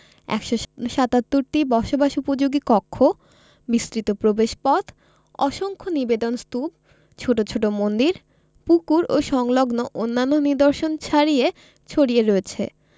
১৭৭টি বসবাস উপযোগী কক্ষ বিস্তৃত প্রবেশপথ অসংখ্য নিবেদন স্তূপ ছোট ছোট মন্দির পুকুর ও সংলগ্ন অন্যান্য নিদর্শন ছাড়িয়ে রয়েছে